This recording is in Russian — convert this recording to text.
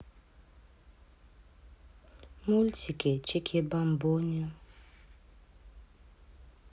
мультики чикибамбони